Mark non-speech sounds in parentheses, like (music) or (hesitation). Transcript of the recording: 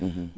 (hesitation) (hesitation)